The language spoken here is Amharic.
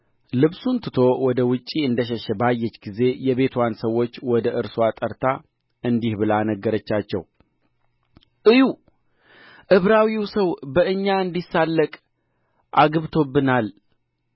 ጌታው ወደ ቤቱ እስኪገባ ድረስም ልብሱን ከእርስዋ ዘንድ አኖረች